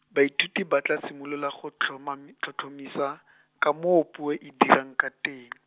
baithuti ba tla simolola go tlhomami- tlhotlhomisa , ka moo puo e dirang ka teng.